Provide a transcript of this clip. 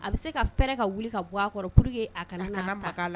A bɛ se ka fɛɛrɛ ka wuli ka bɔ a kɔrɔ pour que a kana mag'a la